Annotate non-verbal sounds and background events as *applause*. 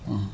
*hesitation* *hesitation*